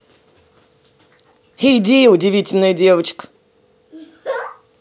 иди удивительная девочка